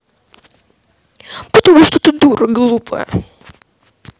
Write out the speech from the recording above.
потому что ты дура глупая